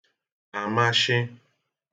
àmashị